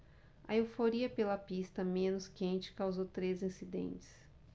a euforia pela pista menos quente causou três incidentes